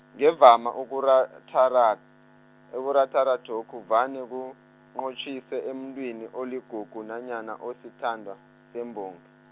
ngevama ukura- -thara ukuratharathokho vane kunqotjhiswe emuntwini oligugu nanyana osithandwa, sembongi.